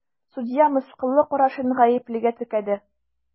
Судья мыскыллы карашын гаеплегә текәде.